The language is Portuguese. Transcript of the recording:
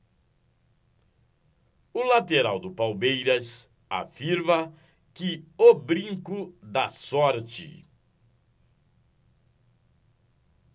o lateral do palmeiras afirma que o brinco dá sorte